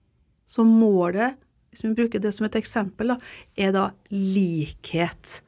så målet hvis vi bruker det som et eksempel da er da likhet.